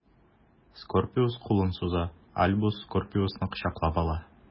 Скорпиус кулын суза, Альбус Скорпиусны кочаклап ала.